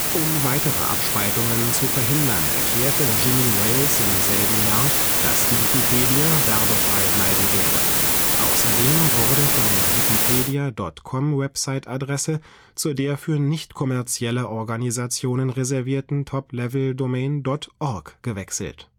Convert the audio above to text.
Um weitere Aufspaltungen zu verhindern, erklärte Jimmy Wales im selben Jahr, dass die Wikipedia werbefrei bleiben werde. Außerdem wurde von der wikipedia.com-Website-Adresse zu der für nicht-kommerzielle Organisationen reservierten Top-Level-Domain. org gewechselt